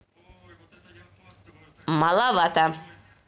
маловато